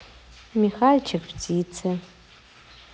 михальчик птицы